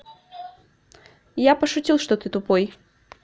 я пошутил что ты тупой